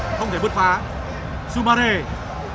không thể bứt phá su ba rê